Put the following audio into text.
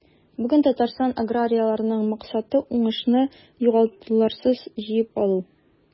Бүген Татарстан аграрийларының максаты – уңышны югалтуларсыз җыеп алу.